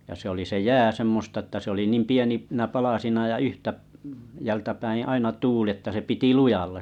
ja se oli se jää semmoista että se oli niin - pieninä palasina ja - yhtäältä päin aina tuuli että se piti lujalla